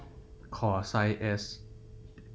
ขอไซส์เอส